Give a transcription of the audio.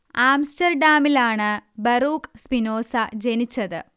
ആംസ്റ്റർഡാമിലാണ് Baruch Spinoza ജനിച്ചത്